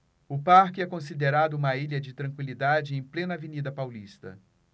o parque é considerado uma ilha de tranquilidade em plena avenida paulista